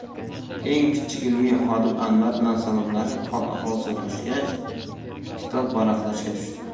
eng kichik ilmiy xodim anvar bilan salomlashib hol ahvol so'ragach kitob varaqlashga tushdi